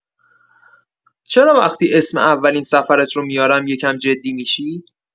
چرا وقتی اسم اولین سفرت رو میارم، یه کم جدی می‌شی؟